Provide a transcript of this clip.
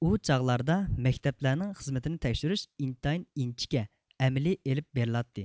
ئۇ چاغلاردا مەكتەپلەرنىڭ خىزمىتىنى تەكشۈرۈش ئىنتايىن ئىنچىكە ئەمەلىي ئېلىپ بېرىلاتتى